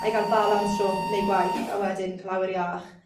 A i ga'l balans rhwng neud gwaith a wedyn ca'l awyr iach.